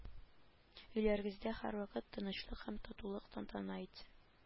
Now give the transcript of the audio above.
Өйләрегездә һәрвакыт тынычлык һәм татулык тантана итсен